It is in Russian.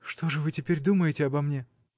– Что же вы теперь думаете обо мне?